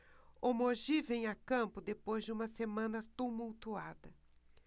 o mogi vem a campo depois de uma semana tumultuada